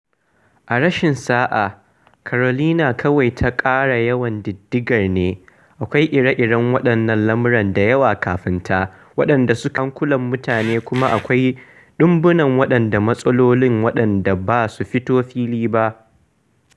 A rashin sa'a, Carolina kawai ta ƙara yawan ƙididdigar ne, akwai ire-iren waɗannan lamura da yawa kafin ta waɗanda suka ja hankulan mutane kuma akwai dubunnan waɗannan matsalolin waɗanda ba su fito fili ba.